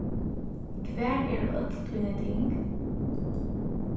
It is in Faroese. hvar eru øll tíni ting